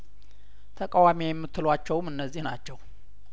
ተቃዋሚ የምትሏቸውም እነዚህ ናቸው